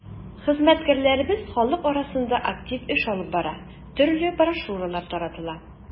Хезмәткәрләребез халык арасында актив эш алып бара, төрле брошюралар таратыла.